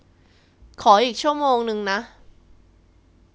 ขออีกชั่วโมงนึงนะ